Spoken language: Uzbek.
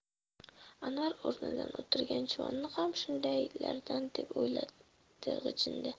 anvar o'rnida o'tirgan juvonni ham shundaylardan deb o'ylab g'ijindi